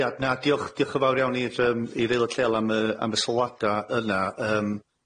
Ia na diolch diolch yn fawr iawn i'r yym i'r aelod lleol am y- am y sylwada yna yym.